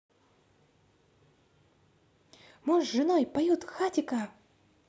муж с женой поют хатико